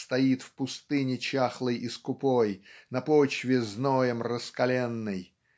стоит в пустыне чахлой и скупой на почве зноем раскаленной